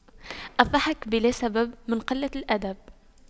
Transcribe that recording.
الضحك بلا سبب من قلة الأدب